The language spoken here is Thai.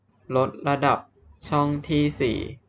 ลดระดับช่องที่สี่